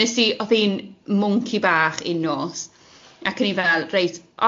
'Nes i oedd hi'n mwnci bach un nos, ac o'n i fel reit,